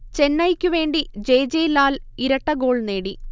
ചെന്നൈയ്ക്കു വേണ്ടി J. J Lal ഇരട്ടഗോൾ നേടി